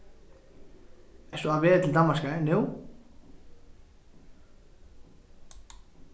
ert tú á veg til danmarkar nú